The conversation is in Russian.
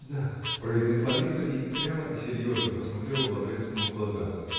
-- Да, -- произнесла Лиза и прямо и серьезно посмотрела Лаврецкому в глаза.